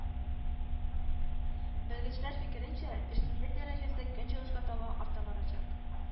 Белгечләр фикеренчә, эшсезлек дәрәҗәсе Көнчыгышка таба арта барачак